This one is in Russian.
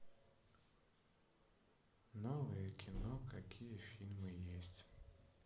новое кино какие фильмы есть